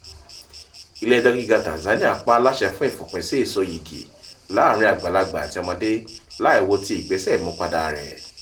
Ilé ẹjọ́ gíga Tanzania pa á láṣẹ fún ìfòpinsí ìsoyìgì láàárín àgbàlagbà àti ọmọdé láì wo ti ìgbésẹ̀ ìmúpadàa rẹ̀